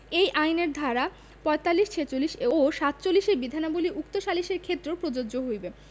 এই আইনের ধারা ৪৫ ৪৬ ও ৪৭ এর বিধানাবলী উক্ত সালিসের ক্ষেত্রেও প্রযোজ্য হইবে